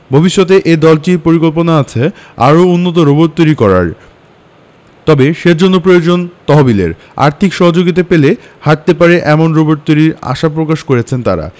ভবিষ্যতে এই দলটির পরিকল্পনা আছে আরও উন্নত রোবট তৈরি করার তবে সেজন্য প্রয়োজন তহবিলের আর্থিক সহযোগিতা পেলে হাটতে পারে এমন রোবট তৈরির আশা প্রকাশ করেছেন তারা